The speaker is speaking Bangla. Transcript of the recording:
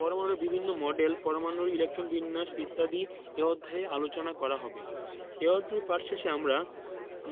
পরমাণুর বিভিন্ন মডেল পরমাণুর ইলেকট্রন বিন্যাস ইত্যাদি এ অধ্যায়ে আলোচনা করা হবে